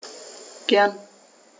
Gern.